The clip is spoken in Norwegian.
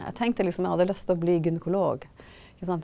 jeg tenkte liksom jeg hadde lyst til å bli gynekolog ikke sant.